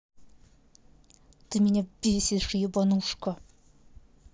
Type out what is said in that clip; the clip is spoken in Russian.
ты меня бесишь ебанушка